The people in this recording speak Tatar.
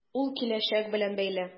Ул киләчәк белән бәйле.